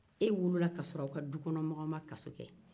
e wolola k'a sɔrɔ aw ka dukɔnɔmɔgɔ ma kaso kɛ